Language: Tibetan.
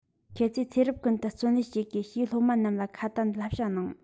ཁྱོད ཚོས ཚེ རབས ཀུན ཏུ བརྩོན ལེན བྱེད དགོས ཞེས སློབ མ རྣམས ལ ཁ ཏ བསླབ བྱ གནང